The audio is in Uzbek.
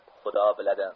xudo biladi